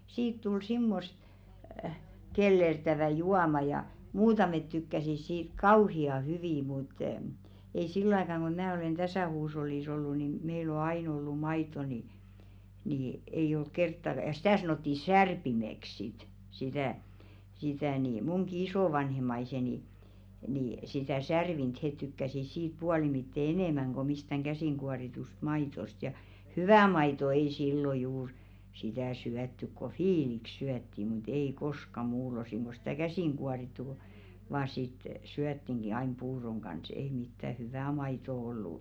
siitä tuli semmoista kellertävää juomaa ja muutamat tykkäsivät siitä kauhean hyvin mutta ei sillä aikana kun minä olen tässä huushollissa ollut niin meillä on aina ollut maitoa niin niin ei ollut kertaakaan ja sitä sanottiin särpimeksi sitten sitä sitä niin minunkin isovanhempani niin sitä särvintä he tykkäsivät siitä puolimitten enemmän kuin mistään käsinkuoritusta maidosta ja hyvä maito ei silloin juuri sitä syöty kun viili syötiin mutta ei koskaan muulloin kuin sitä käsinkuorittu kun vain sitten syötiinkin aina puuron kanssa ei mitään hyvää maitoa ollut